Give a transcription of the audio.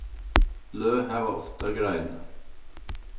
bløð hava ofta greinar